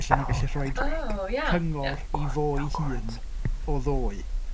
Felly mae'n gallu rhoid... O iawn. ...cyngor i fo ei hun. O ddoe.